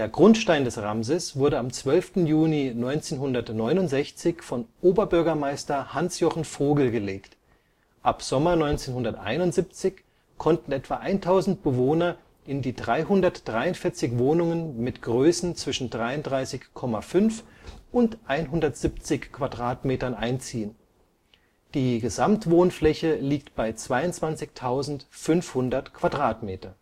Grundstein des Ramses wurde am 12. Juni 1969 von Oberbürgermeister Hans-Jochen Vogel gelegt, ab Sommer 1971 konnten etwa 1000 Bewohner in die 343 Wohnungen mit Größen zwischen 33,5 und 170 m² einziehen, die Gesamtwohnfläche liegt bei 22.500 m²